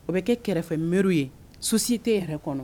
O bɛ kɛ kɛrɛfɛ mɛru ye société yɛrɛ kɔnɔ.